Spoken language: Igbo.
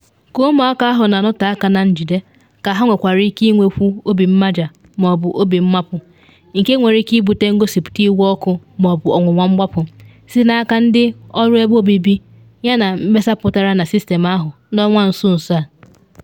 Ka ụmụaka ahụ na anọte aka na njide, ka ha nwekwara ike ịnwekwu obi mmaja ma ọ bụ obi mmapụ, nke nwere ike ibute ngosipụta iwe ọkụ ma ọ bụ ọnwụnwa mgbapụ, site n’aka ndị ọrụ ebe obibi yana mkpesa pụtara na sistemụ ahụ n’ọnwa nso nso a.